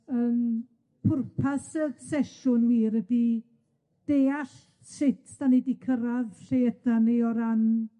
Yym pwrpas y sesiwn wir ydi deall sut 'dan ni di cyrradd lle ydan ni o ran